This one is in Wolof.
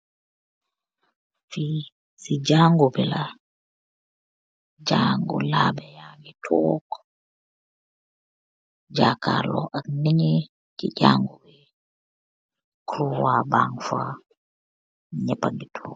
Fi si jangu bila jagu la beh yagi tog jakarr lu ak luney ci jangu bi kulwar bagi faa nyep paa gi tog.